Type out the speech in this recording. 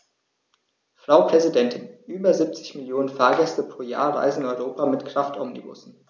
Frau Präsidentin, über 70 Millionen Fahrgäste pro Jahr reisen in Europa mit Kraftomnibussen.